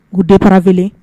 U de taarae